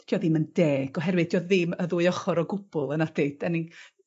dydi o ddim yn deg oherwydd 'di o ddim y ddwy ochor o gwbwl yn nadi 'dan ni'n